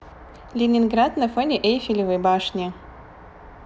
ленинград на фоне эйфелевой башни